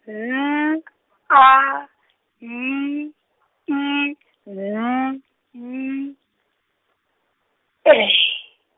N , A, Y, I, N, Y, E.